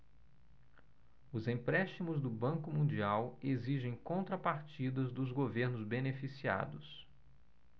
os empréstimos do banco mundial exigem contrapartidas dos governos beneficiados